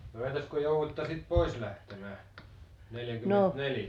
no entäs kun jouduitte sitten pois lähtemään neljäkymmentäneljä